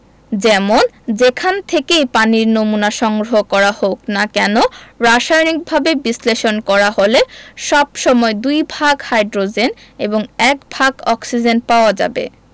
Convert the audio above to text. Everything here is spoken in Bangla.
যেমন− যেখান থেকেই পানির নমুনা সংগ্রহ করা হোক না কেন রাসায়নিকভাবে বিশ্লেষণ করা হলে সব সময় দুই ভাগ হাইড্রোজেন এবং এক ভাগ অক্সিজেন পাওয়া যাবে